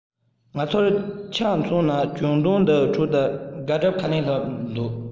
ང ཚོར ཆ མཚོན ནས གྱོད དོན འདིའི ཁྲོད ཀྱི དགག སྒྲུབ ཁ ལན སློག འདུག